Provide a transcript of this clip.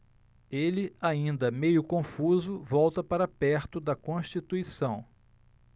ele ainda meio confuso volta para perto de constituição